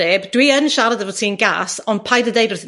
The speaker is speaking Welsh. neb dwi yn siarad efo ti'n gas, ond paid â deud wrth